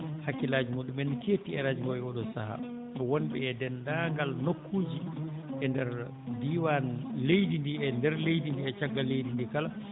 hakkillaaji muɗumen ne ketti e radio ngoo e oo ɗoo sahaa wonɓe denndaangal nokkuuji e nder diiwaan leydi ndii e nder leydi ndii e caggal leydi ndii kala